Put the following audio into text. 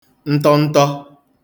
ntọntọ